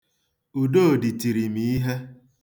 Udodị tiri m ihe.